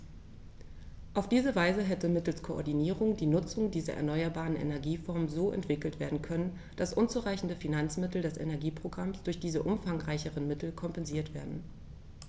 Auf diese Weise hätte mittels Koordinierung die Nutzung dieser erneuerbaren Energieformen so entwickelt werden können, dass unzureichende Finanzmittel des Energieprogramms durch diese umfangreicheren Mittel kompensiert werden.